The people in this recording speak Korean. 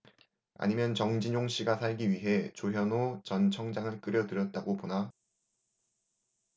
아니면 정진용씨가 살기 위해 조현오 전 청장을 끌여들였다고 보나